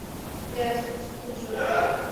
ia so dwi'm yn siŵr.